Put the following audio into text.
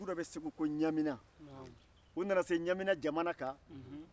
u nana se ɲamina jamana kan